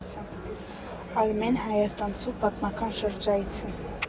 Արմեն Հայաստանցու պատմական շրջայցը։